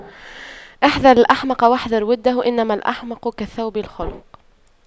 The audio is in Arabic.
احذر الأحمق واحذر وُدَّهُ إنما الأحمق كالثوب الْخَلَق